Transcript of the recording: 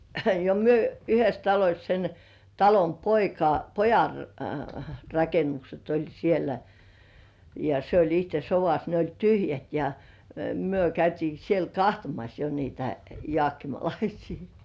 ja me yhdessä talossa sen talon poika pojan rakennukset oli siellä ja se oli itse sodassa ne oli tyhjät ja me käytiin siellä katsomassa jo niitä jaakkimalaisia